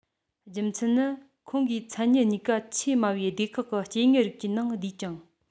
རྒྱུ མཚན ནི ཁོང གིས མཚན གཉིས ཀ ཆེས དམའ བའི སྡེ ཁག སྟེ སྐྱེ དངོས རིགས ཀྱི ནང བསྡུས ཀྱང